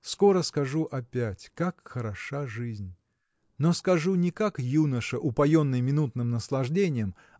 Скоро скажу опять: как хороша жизнь! но скажу не как юноша упоенный минутным наслаждением